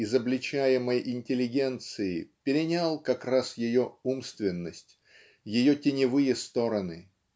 изобличаемой интеллигенции перенял как раз ее умственность ее теневые стороны.